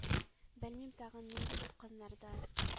Белмим, тагы нинди упкыннарда